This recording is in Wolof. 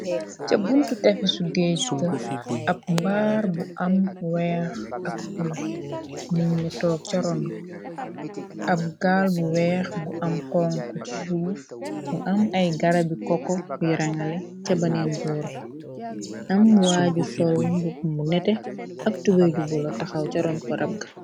ca buntu tefisu géej ga ab mbaar bu am weex ak bu la niñ ña toog caroon ab gaal bu weex bu am xonku ci suuf bu am ay garabi koko yi rangale cabaneen door ba am waaju sol bu nete ak tubeju bulo taxaw caroon korabga